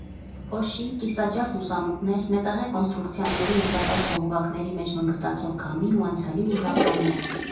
Փոշի, կիսաջարդ լուսամուտներ, մետաղյա կոնստրուկցիաների ու դատարկ խողովակների մեջ վնգստացող քամի ու անցյալի ուրվականներ.